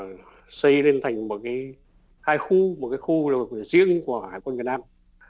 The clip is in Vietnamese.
xây lên thành một cái hải khu một cái khu riêng của hải quân việt nam